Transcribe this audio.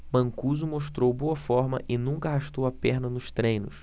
mancuso mostrou boa forma e nunca arrastou a perna nos treinos